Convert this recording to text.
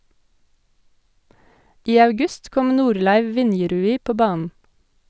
I august kom Norleiv Vinjerui på banen.